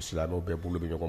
Silamɛw bɛɛ bolo bɛ ɲɔgɔn